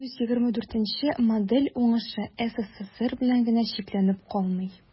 124 нче модель уңышы ссср белән генә чикләнеп калмый.